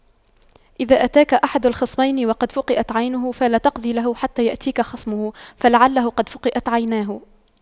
إذا أتاك أحد الخصمين وقد فُقِئَتْ عينه فلا تقض له حتى يأتيك خصمه فلعله قد فُقِئَتْ عيناه